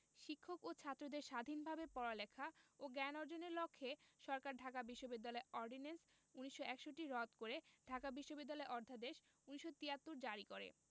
শিক্ষক ও ছাত্রদের স্বাধীনভাবে পড়ালেখা ও জ্ঞান অর্জনের লক্ষ্যে সরকার ঢাকা বিশ্ববিদ্যালয় অর্ডিন্যান্স ১৯৬১ রদ করে ঢাকা বিশ্ববিদ্যালয় অধ্যাদেশ ১৯৭৩ জারি করে